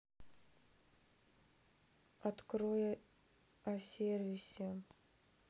открой о сервисе